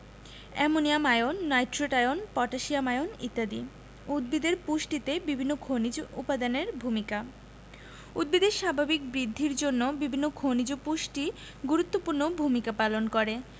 ammonium ion nitrate ion potassium ion ইত্যাদি উদ্ভিদের পুষ্টিতে বিভিন্ন খনিজ উপাদানের ভূমিকা উদ্ভিদের স্বাভাবিক বৃদ্ধির জন্য বিভিন্ন খনিজ পুষ্টি গুরুত্বপূর্ণ ভূমিকা পালন করে